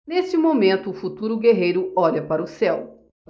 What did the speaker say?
neste momento o futuro guerreiro olha para o céu